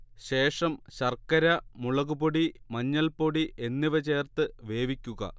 ശേഷം ശർക്കര, മുളക്പൊടി, മഞ്ഞൾപ്പൊടി എന്നിവ ചേർത്ത് വേവിക്കുക